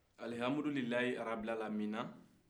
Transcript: alihambudulilahi rabil alamina